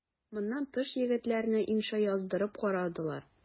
Моннан тыш егетләрне инша яздырып карадылар.